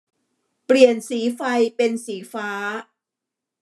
เปลี่ยนสีไฟเป็นสีฟ้า